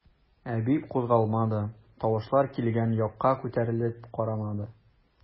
Әби кузгалмады, тавышлар килгән якка күтәрелеп карамады.